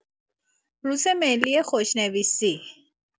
روز ملی خوشنویسی